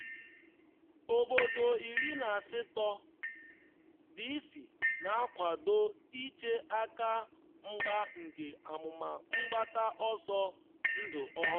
Obodo 18, D.C na-akwado ịche aka mgba nke amụma mgbata ọsọ ndụ ọhụrụ